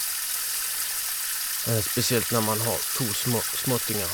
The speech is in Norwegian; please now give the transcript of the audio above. Spesielt når man har to små småttingar.